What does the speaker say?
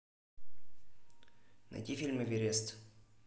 найти фильм эверест